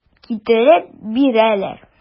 Китереп бирәләр.